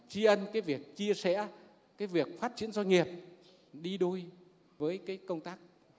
tri ân cái việc chia sẻ cái việc phát triển doanh nghiệp đi đôi với cái công tác